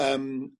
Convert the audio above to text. yym